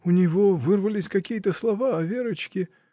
У него вырвались какие-то слова о Верочке.